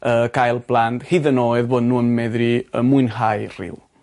yy cael planr hyd yn oedd bo' n'w yn meddru yy mwynhau rhyw.